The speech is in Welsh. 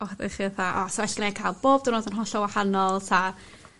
oeddech chi fatha o sa neis gennai ca'l bob diwrnod yn hollol wahanol 'ta ...